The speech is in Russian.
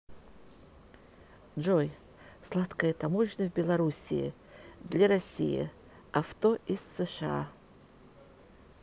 джой сладкая таможня в белоруссии для россии авто из сша